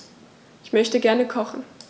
Ich möchte gerne kochen.